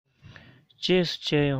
རྗེས སུ མཇལ ཡོང